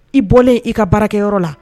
I bɔlen i ka baarakɛyɔrɔ la